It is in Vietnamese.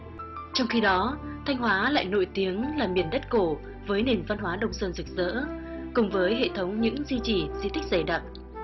trong khi đó thanh hóa lại nổi tiếng là miền đất cổ với nền văn hóa đông sơn rực rỡ cùng với hệ thống những di chỉ di tích dày đặc